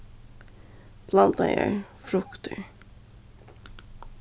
blandaðar fruktir